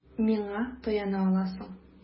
Миңа таяна аласың.